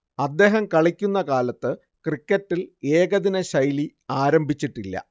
അദ്ദേഹം കളിക്കുന്ന കാലത്ത് ക്രിക്കറ്റിൽ ഏകദിനശൈലി ആരംഭിച്ചിട്ടില്ല